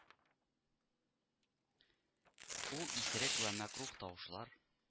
Ул исерек вә мәкруһ тавышлар